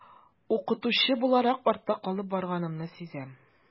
Укытучы буларак артта калып барганымны сизәм.